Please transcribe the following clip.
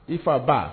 I fa ba